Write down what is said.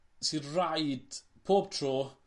sy raid pob tro